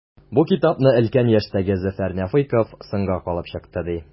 Бу китапны өлкән яшьтәге Зөфәр Нәфыйков “соңга калып” чыкты, ди.